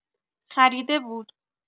خریده بود